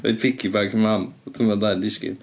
Rhoid piggyback i mam. Tan ma'r ddau'n disgyn.